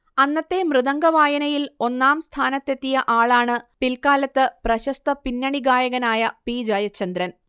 അന്നത്തെ മൃദംഗവായനയിൽ ഒന്നാം സ്ഥാനത്തെത്തിയ ആളാണ് പിൽക്കാലത്ത് പ്രശസ്ത പിന്നണി ഗായകനായ പി ജയചന്ദ്രൻ